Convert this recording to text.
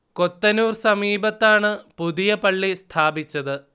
കൊത്തനൂർ സമീപത്താണ് പുതിയ പള്ളി സ്ഥാപിച്ചത്